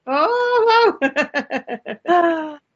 O waw.